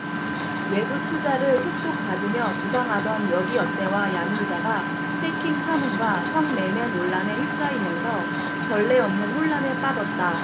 외부투자를 속속 받으며 부상하던 여기어때와 야놀자가 해킹 파문과 성매매 논란에 휩싸이면서 전례 없는 혼란에 빠졌다